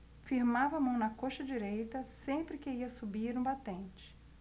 firmava a mão na coxa direita sempre que ia subir um batente